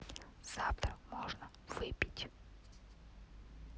завтра можно выпить